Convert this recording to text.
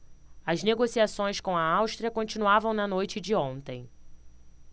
as negociações com a áustria continuavam na noite de ontem